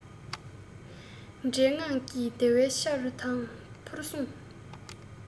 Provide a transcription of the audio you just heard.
བྲེད དངངས ཀྱིས བརྡལ བའི ཆ རུ དང ཕུར ཟུངས